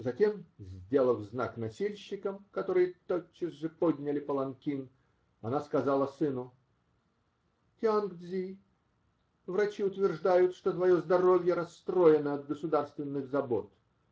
Затем, сделав знак носильщикам, которые тотчас же подняли паланкин, она сказала сыну: -- Тианг-Дзи, врачи утверждают, что твое здоровье расстроено от государственных забот.